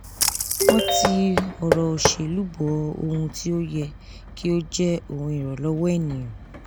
Wọn n ti ọrọ oṣelu bọ ohun ti o yẹ ki o jẹ ohun iranlọwọ eniyan.”